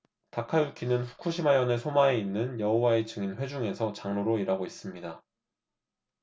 다카유키는 후쿠시마 현의 소마에 있는 여호와의 증인 회중에서 장로로 일하고 있습니다